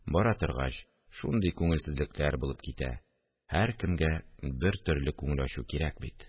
Бара торгач, шундый күңелсезлекләр булып китә, һәркемгә бертөрле күңел ачу кирәк бит